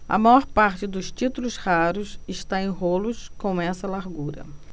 a maior parte dos títulos raros está em rolos com essa largura